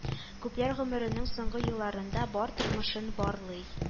Күпләр гомеренең соңгы елларында бар тормышын барлый